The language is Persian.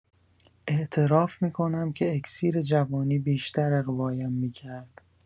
اعتراف می‌کنم که اکسیر جوانی بیشتر اغوایم می‌کرد